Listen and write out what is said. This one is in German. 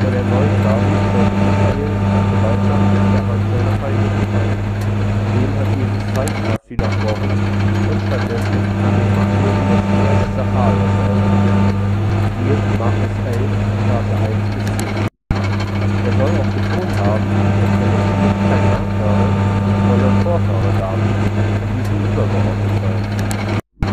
der neue David sollte Israel auch gewaltsam aus der Hand seiner Feinde befreien: Dem hat Jesus zeichenhaft widersprochen und stattdessen an den machtlosen Messias Sacharjas erinnert (Mk 11,1 – 10). Er soll auch betont haben, dass der Messias kein Nachfahre, sondern Vorfahre Davids und diesem übergeordnet sei (Mk